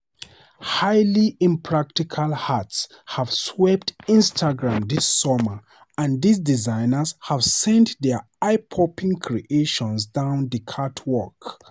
Highly impractical hats have swept Instagram this summer and these designers have sent their eye-popping creations down the catwalk.